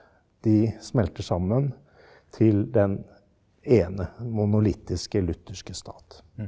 de smelter sammen til den ene monolittiske lutherske stat.